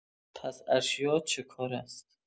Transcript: پس ارشیا چه‌کاره است؟